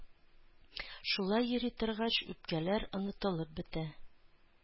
Шулай йөри торгач үпкәләр онытылып бетә.